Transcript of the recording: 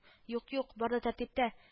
— юк-юк, бар да тәртиптә…